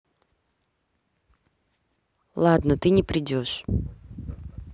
ладно ты не придешь